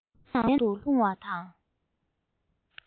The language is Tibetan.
རྫ མའི ནང ལྷུང བ དང